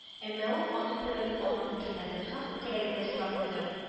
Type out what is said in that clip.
Әмма ул аның сәбәбен аңлап бетермәде һәм үпкәләгәндәй сорап куйды: